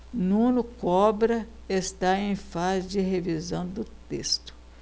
nuno cobra está em fase de revisão do texto